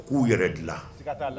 A k'u yɛrɛ dilan